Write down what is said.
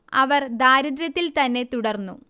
അവർ ദാരിദ്ര്യത്തിൽ തന്നെ തുടർന്നു